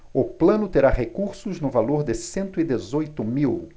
o plano terá recursos no valor de cento e dezoito mil